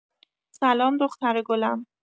سلام دختر گلم